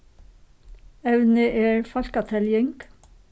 evnið er fólkateljing